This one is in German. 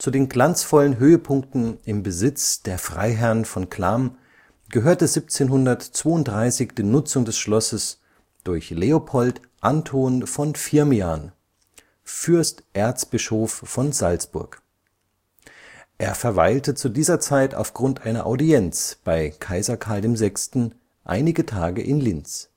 den glanzvollen Höhepunkten im Besitz der Freiherrn von Clam gehörte 1732 die Nutzung des Schlosses durch Leopold Anton von Firmian, Fürsterzbischof von Salzburg. Er verweilte zu dieser Zeit aufgrund einer Audienz bei Kaiser Karl VI. einige Tage in Linz